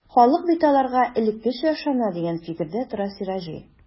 Халык бит аларга элеккечә ышана, дигән фикердә тора Сираҗи.